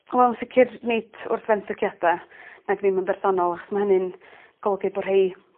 Wel sicir nid wrth fenthygiada nag ddim yn bersonol achos ma' hynny'n golygu bo' rhei